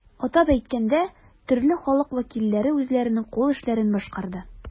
Атап әйткәндә, төрле халык вәкилләре үзләренең кул эшләрен башкарды.